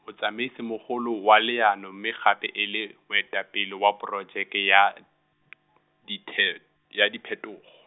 motsamaisi mogolo wa leano mme gape e le, moetapele wa porojeke ya , dithe-, ya diphetogo.